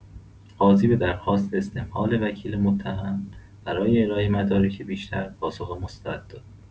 قاضی به درخواست استمهال وکیل متهم برای ارائه مدارک بیشتر پاسخ مثبت داد.